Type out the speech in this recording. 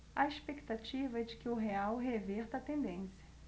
a expectativa é de que o real reverta a tendência